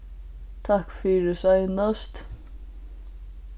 takk fyri seinast